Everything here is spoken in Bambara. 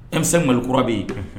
Emi mali kura bɛ yen